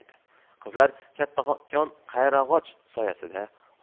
qizlar kattakon qayrag'och soyasida